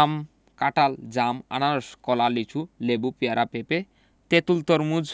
আম কাঁঠাল জাম আনারস কলা লিচু লেবু পেয়ারা পেঁপে তেঁতুল তরমুজ